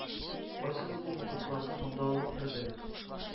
-кайсыгыз бу мокытларны монда алып керде,